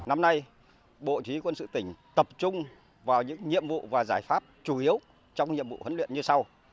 năm nay bộ chỉ huy quân sự tỉnh tập trung vào những nhiệm vụ và giải pháp chủ yếu trong nhiệm vụ huấn luyện như sau